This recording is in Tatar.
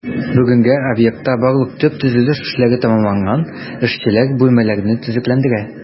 Бүгенгә объектта барлык төп төзелеш эшләре тәмамланган, эшчеләр бүлмәләрне төзекләндерә.